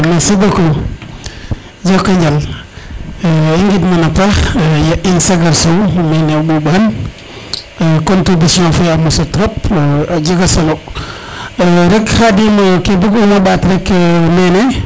merci beaucoup jokonjal in ngid mana paax ya in Sagar Sow mene o Mbumban contribution fe a mosa trop a jega solo rek Khadim ke bug uma ɓaat rek mene